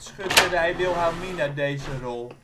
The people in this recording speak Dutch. Schutterij Wilhelmina deze rol